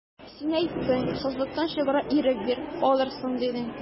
Син әйттең, сазлыктан чыгарга ирек бир, алырсың, дидең.